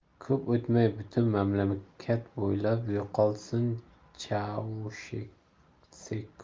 ko'p o'tmay butun mamlakat bo'ylab yo'qolsin chaushesku